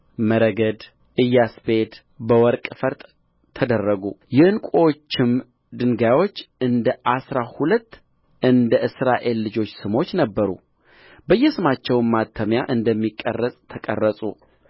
መረግድ ኢያስጲድ በወርቅ ፈርጥ ተደረጉ የዕንቍዎችም ድንጋዮች እንደ አሥራ ሁለቱ እንደ እስራኤል ልጆች ስሞች ነበሩ በየስማቸውም ማተሚያ እንደሚቀረጽ ተቀረጹ